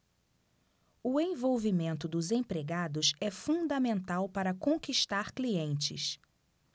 o envolvimento dos empregados é fundamental para conquistar clientes